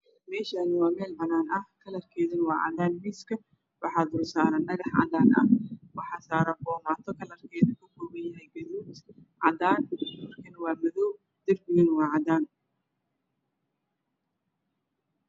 Mesham wa ameel baana ah kalarkeedu wacadaa miiska waxa saran dhagax cadaan waxa saran bomaato kalarkeedu kakoopan yahay gaduud iyo cadaaan waa madow darpigana wa acadaan